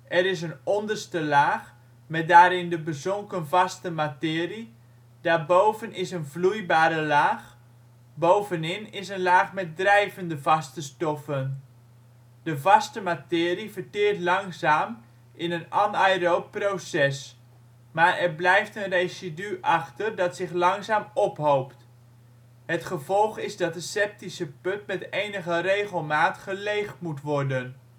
Er is een onderste laag met daarin de bezonken vaste materie. Daarboven is een vloeibare laag. Bovenin is een laag met drijvende vaste stoffen. De vaste materie verteert langzaam in een anaeroob proces, maar er blijft een residu achter dat zich langzaam ophoopt. Het gevolg is dat de septische put met enige regelmaat geleegd moet worden